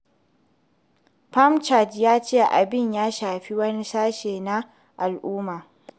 Prem Chand ya ce abin ya shafi wani sashe ne na al'umma.